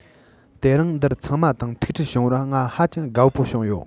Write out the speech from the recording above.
དེ རིང འདིར ཚང མ དང ཐུག འཕྲད བྱུང བར ང ཧ ཅང དགའ པོ བྱུང